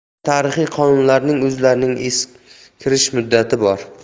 barcha tarixiy qonunlarning o'zlarining eskirish muddati bor